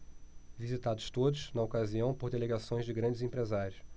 visitados todos na ocasião por delegações de grandes empresários